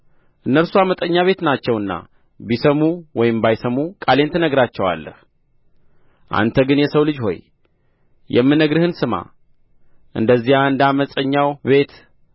እነርሱ ዓመፀኛ ቤት ናቸውና ቢሰሙ ወይም ባይሰሙ ቃሌን ትነግራቸዋለህ አንተ ግን የሰው ልጅ ሆይ የምነግርህን ስማ እንደዚያ እንደ ዓመፀኛው ቤት